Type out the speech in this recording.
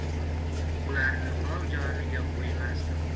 ularni hol joniga qo'ymasdim